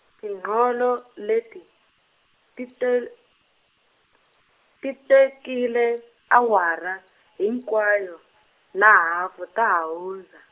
Tinqolo leti, ti te-, ti tekile, awara hinkwayo, na hafu ta ha hundza.